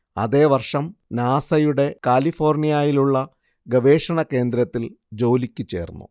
അതേ വർഷം നാസയുടെ കാലിഫോർണയായിലുള്ള ഗവേഷണ കേന്ദ്രത്തിൽ ജോലിക്കു ചേർന്നു